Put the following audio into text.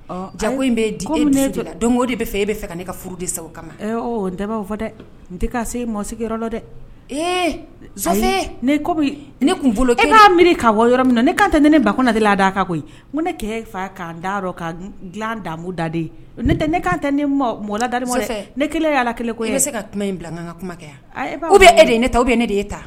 Jago in bɛ di ne jɔ donko de bɛ fɛ e bɛ fɛ ne ka furu de sa o kama n b'a fɔ dɛ n tɛ' se mɔ sigiyɔrɔ la dɛ ee ko ne e b'a miiri k' yɔrɔ min na ne ka kan tɛ ne ba ko na d' ko ko ne fa'an da ka dila damudaden ne tɛ ne ka kan tɛ ne mɔ lada fɛ ne kelen y' ala kelen ko se ka kuma in bila n ka kuma kɛ u bɛ e de ye ne ta aw bɛ ne de ye ta